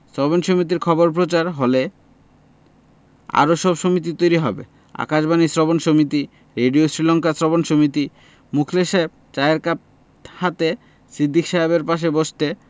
শ্রবণ সমিতির খবর প্রচার হলে আরো সব সমিতি তৈরি হবে আকাশবাণী শ্রবণ সমিতি রেডিও শীলংকা শ্রবণ সমিতি মুখলেস সাহেব চায়ের কাপ হাতে সিদ্দিক সাহেবের পাশে বসতে